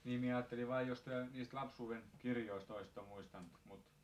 niin minä ajattelin vain jos te niistä lapsuuden kirjoista olisitte muistanut